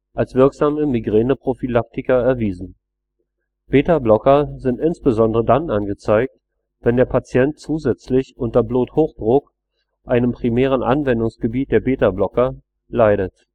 als wirksame Migräneprophylaktika erwiesen. Betablocker sind insbesondere dann angezeigt, wenn der Patient zusätzlich unter Bluthochdruck, einem primären Anwendungsgebiet der Betablocker, leidet